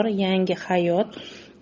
yangi hayot